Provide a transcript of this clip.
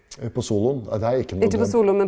på soloen det er ikke noe i den.